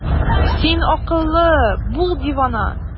Син акыллы, бул дивана!